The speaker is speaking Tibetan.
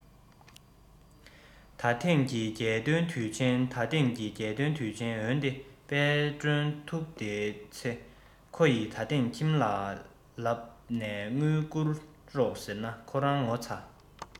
ད ཐེངས ཀྱི རྒྱལ སྟོན དུས ཆེན ད ཐེངས ཀྱི རྒྱལ སྟོན དུས ཆེན འོན ཏེ དཔལ སྒྲོན ཐུགས དེའི ཚེ ཁོ ཡི ད ཐེངས ཁྱིམ ལ ལབ ནས དངུལ བསྐུར རོགས ཟེར ན ཁོ རང ངོ ཚ